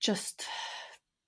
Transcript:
jyst